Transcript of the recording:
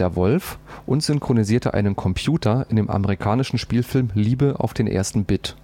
Wolf und synchronisierte einen Computer in dem amerikanischen Spielfilm „ Liebe auf den ersten Bit